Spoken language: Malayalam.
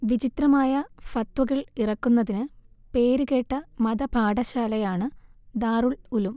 വിചിത്രമായ ഫത്വകൾ ഇറക്കുന്നതിന് പേര് കേട്ട മതപാഠശാലയാണ് ദാറുൽഉലൂം